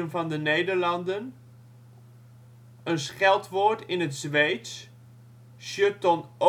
van de Nederlanden. Een scheldwoord in het Zweeds (" sjutton